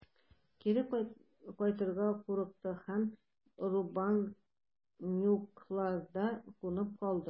Кире кайтырга курыкты һәм Рубанюкларда кунып калды.